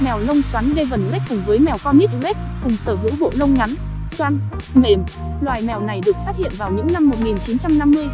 mèo lông xoắn devon rex cùng với mèo cornish rex cùng sở hữu bộ lông ngắn xoăn mềm loài mèo này được phát hiện vào những năm